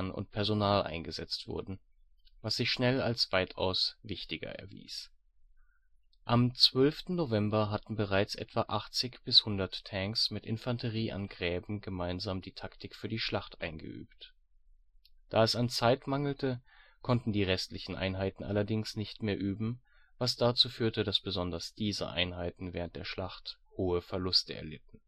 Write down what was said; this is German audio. und Personal eingesetzt wurden, was sich schnell als weitaus wichtiger erwies. Am 12. November hatten bereits etwa 80 bis 100 Tanks mit Infanterie an Gräben gemeinsam die Taktik für die Schlacht eingeübt. Da es an Zeit mangelte, konnten die restlichen Einheiten allerdings nicht mehr üben, was dazu führte, dass besonders diese Einheiten während der Schlacht hohe Verluste erlitten